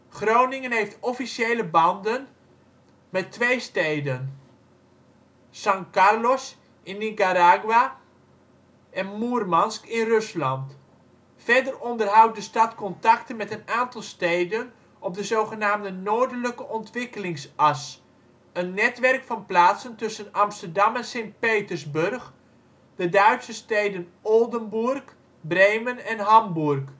Groningen heeft officiële banden met twee steden: San Carlos (Nicaragua) en Moermansk (Rusland). Verder onderhoudt de stad contacten met een aantal steden op de zogenaamde Noordelijke Ontwikkelingsas, een netwerk van plaatsen tussen Amsterdam en Sint-Petersburg: de Duitse steden Oldenburg, Bremen en Hamburg